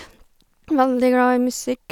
Veldig glad i musikk.